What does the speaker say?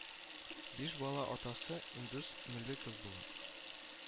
Биш бала атасы индүс мөлеков була